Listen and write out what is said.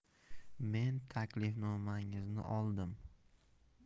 men taklifnomangizni oldim